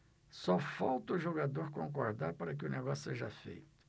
só falta o jogador concordar para que o negócio seja feito